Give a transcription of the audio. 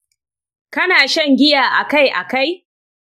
kana shan giya akai akai?